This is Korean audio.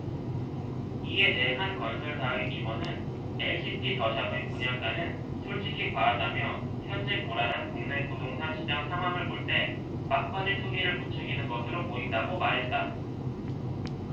이에 대해 한 건설사의 임원은 엘시티 더샵의 분양가는 솔직히 과하다며 현재 불안한 국내 부동산시장 상황을 볼 때 막바지 투기를 부추기는 것으로 보인다고 말했다